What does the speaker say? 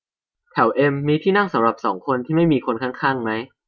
แถวเอ็มมีที่นั่งสำหรับสองคนที่ไม่มีคนข้างข้างมั้ย